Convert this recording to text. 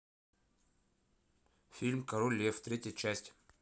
фильм король лев третья часть